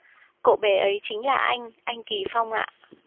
cậu bé ấy chính là anh anh kỳ phong ạ